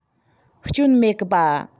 སྐྱོན མེད གི པ